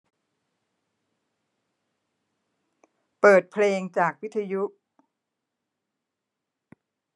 เปิดเพลงจากวิทยุ